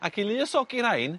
ac i luosogu rain